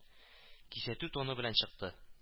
Кисәтү тоны белән чыкты: